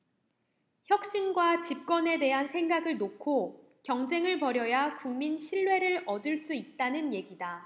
혁신과 집권에 대한 생각을 놓고 경쟁을 벌여야 국민 신뢰를 얻을 수 있다는 얘기다